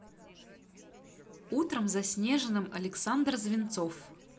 утром заснеженным александр звинцов